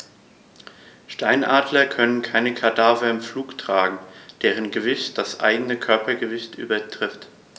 Steinadler können keine Kadaver im Flug tragen, deren Gewicht das eigene Körpergewicht übertrifft.